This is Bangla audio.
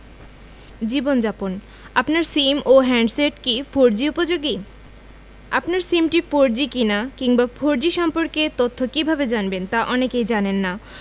জীবনযাপন আপনার সিম ও হ্যান্ডসেট কি ফোরজি উপযোগী আপনার সিমটি ফোরজি কিনা কিংবা ফোরজি সম্পর্কে তথ্য কীভাবে জানবেন তা অনেকেই জানেন না